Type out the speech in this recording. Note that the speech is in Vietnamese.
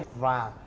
và